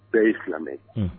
Bɛɛ ye filamɛ